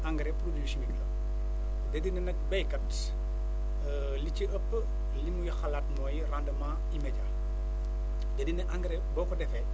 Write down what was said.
engrais produit chimique la da di ne nag béykat li ci ëpp li muy xalaat mooy rendement immédiat da di ne engrais boo ko defee